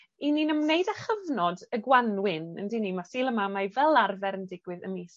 'yn ni'n ymwneud â chyfnod y gwanwyn y'nd 'dyn ni? Ma' Sul y Mamau fel arfer yn digwydd ym mis